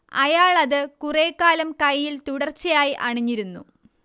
അയാളത് കുറേക്കാലം കൈയ്യിൽ തുടർച്ചയായി അണിഞ്ഞിരുന്നു